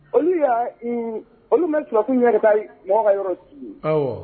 Olu y'a olu sɔrɔdasiw minɛ ka taa mɔgɔw ka yɔrɔ ci de, awɔ